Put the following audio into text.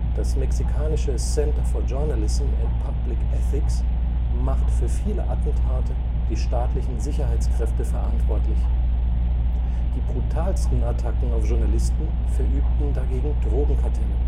Das mexikanische Centre for Journalism and Public Ethics (CEPET) macht für viele Attentate die staatlichen Sicherheitskräfte verantwortlich, die brutalsten Attacken auf Journalisten verübten dagegen Drogenkartelle